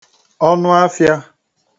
ọnụafị̄a